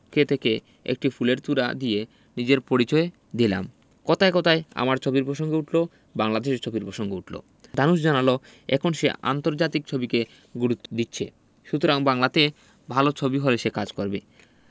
পক্ষ থেকে একটি ফুলের তোড়া দিয়ে নিজের পরিচয় দিলাম কথায় কথায় আমার ছবির পসঙ্গ উঠলো বাংলাদেশের ছবির পসঙ্গ উঠলো ধানুশ জানালো এখন সে আন্তর্জাতিক ছবিকে গুরুত্ব দিচ্ছে সুতরাং বাংলাতে ভালো ছবি হলে সে কাজ করবে